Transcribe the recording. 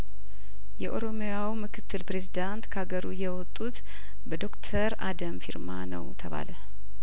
የኦሮሚያው ምክትል ፕሬዝዳንት ከአገሩ የወጡት በዶክተር አደም ፊርማ ነው ተባለ